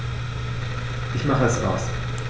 Ich mache es aus.